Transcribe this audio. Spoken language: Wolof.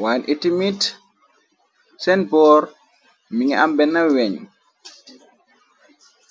waane iti mit seen boor mi ngi am benna weah.